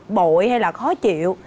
bội hay là khó chịu